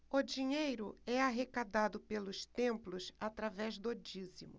o dinheiro é arrecadado pelos templos através do dízimo